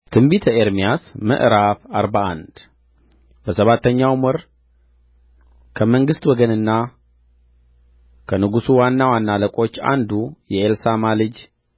ትንቢተ ኤርምያስ ምዕራፍ አርባ አንድ በሰባተኛውም ወር ከመንግሥት ወገንና ከንጉሡ ዋና ዋና አለቆች አንዱ የኤሊሳማ ልጅ